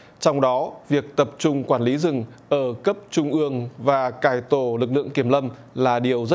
trong đó việc tập trung quản lý rừng ở cấp trung ương và cải tổ lực lượng kiểm lâm là điều rất